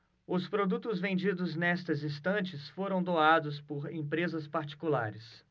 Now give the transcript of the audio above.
os produtos vendidos nestas estantes foram doados por empresas particulares